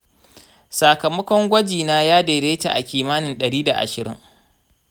sakamakon gwaji na ya daidaita a kimanin ɗari da ashirin.